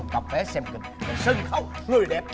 cặp vé xem kịch sân khấu người đẹp